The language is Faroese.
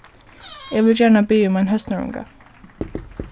eg vil gjarna biðja um ein høsnarunga